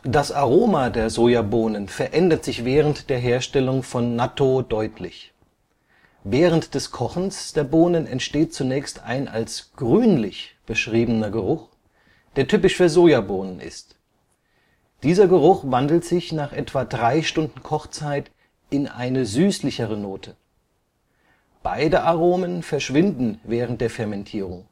Das Aroma der Sojabohnen verändert sich während der Herstellung von Nattō deutlich. Während des Kochens der Bohnen entsteht zunächst ein als „ grünlich “beschriebener Geruch, der typisch für Sojabohnen ist. Dieser Geruch wandelt sich nach etwa drei Stunden Kochzeit in eine süßlichere Note. Beide Aromen verschwinden während der Fermentierung